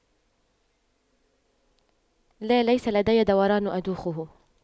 لا ليس لدي دوران ادوخه